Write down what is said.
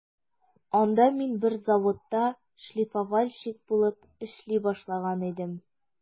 Анда мин бер заводта шлифовальщик булып эшли башлаган идем.